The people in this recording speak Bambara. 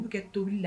Uu kɛ tobili la